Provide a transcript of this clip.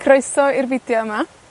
Croeso i'r fideo yma.